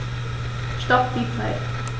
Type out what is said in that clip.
Stopp die Zeit